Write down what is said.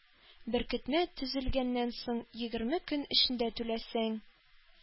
Беркетмә төзелгәннән соң егерме көн эчендә түләсәң,